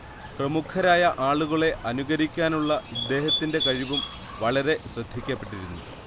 പ്രമുഖരായ ആളുകളെ അനുകരിക്കാനുള്ള ഇദ്ദേഹത്തിന്റെ കഴിവും വളരെ ശ്രദ്ധിക്കപ്പെട്ടിരുന്നു